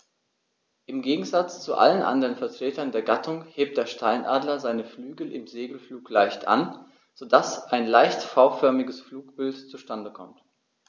Im Gegensatz zu allen anderen Vertretern der Gattung hebt der Steinadler seine Flügel im Segelflug leicht an, so dass ein leicht V-förmiges Flugbild zustande kommt.